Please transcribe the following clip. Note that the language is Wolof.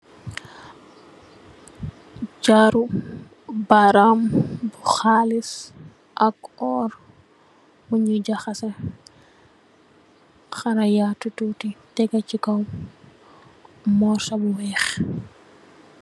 Jaru baram kalis ak oór bu ñii jaxase, xala yatu tutti, tegeh ci morso bu wèèx.